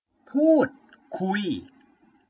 พูดคุย